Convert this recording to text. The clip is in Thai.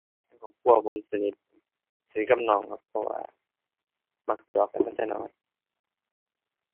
ในครอบครัวผมสนิท สนิทกับน้องครับ เพราะว่ามักหยอกกันมาแต่น้อย